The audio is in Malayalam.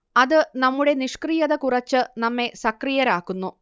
അത് നമ്മുടെ നിഷ്ക്രിയത കുറച്ച് നമ്മെ സക്രിയരാക്കുന്നു